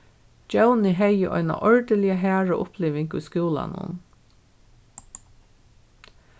djóni hevði eina ordiliga harða uppliving í skúlanum